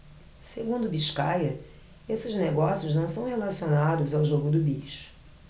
segundo biscaia esses negócios não são relacionados ao jogo do bicho